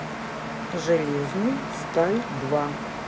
железный сталь два